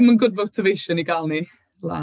Mae'n gwd motivation i gael ni lan.